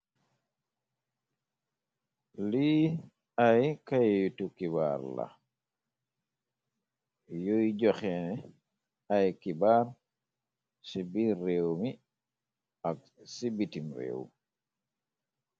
Lii ay kayitu xibaar yuy joxe ay xibaar ci bir réew mi ak ci bitim réew.